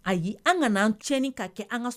A y' an ka'an tiɲɛni k ka kɛ an ka